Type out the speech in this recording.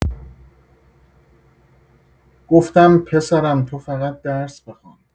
گفتم پسرم تو فقط درس بخوان.